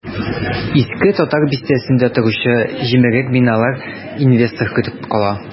Иске татар бистәсендә торучы җимерек биналар инвестор көтеп кала.